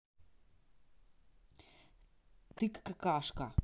тык какашка